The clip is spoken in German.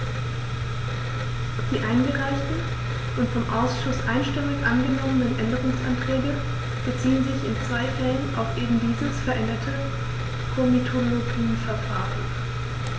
Die eingereichten und vom Ausschuss einstimmig angenommenen Änderungsanträge beziehen sich in zwei Fällen auf eben dieses veränderte Komitologieverfahren.